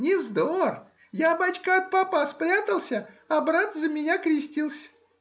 — не вздор: я, бачка, от попа спрятался, а брат за меня крестился.